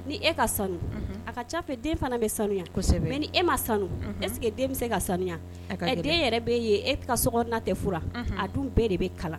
Ni e ka sanu, unhun, a ka ca a fɛ den fana bɛ sanuya, mais ni e ma sanu, unhun, est ce que den bɛ se ka sanuya, a ka gɛlɛn, den yɛrɛ bɛ e ye e ka sokɔnɔna tɛ furan, a dun bɛɛ de bɛ kalan